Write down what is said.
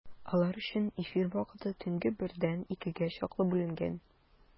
Алар өчен эфир вакыты төнге бердән икегә чаклы бүленгән.